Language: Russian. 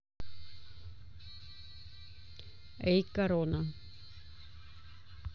эй корона